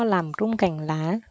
làm rung cành lá